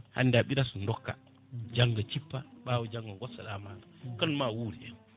hande a ɓirat dokka janggo cippa ɓawo janggo gostoɗa maaro kan ma wuur he